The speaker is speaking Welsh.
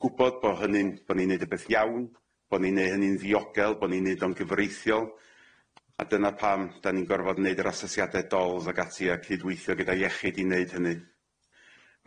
gwbod bo hynny'n bo ni'n neud y peth iawn bo' ni'n neu' hynny'n ddiogel bo' ni'n neud o'n gyfreithiol a dyna pam 'da ni'n gorfod neud yr asesiade dols ag ati a cydweithio gyda iechyd i neud hynny.